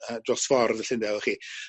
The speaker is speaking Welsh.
yy dros ffordd felly ynde o chi